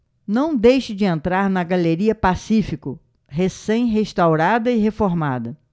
não deixe de entrar na galeria pacífico recém restaurada e reformada